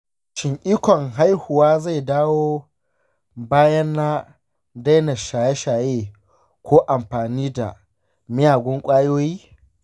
shin ikon haihuwa zai dawo bayan na daina shaye-shaye ko amfani da miyagun ƙwayoyi?